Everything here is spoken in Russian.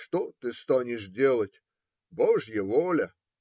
Что ты станешь делать. Божья воля!